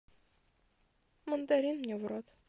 мандарин мне в рот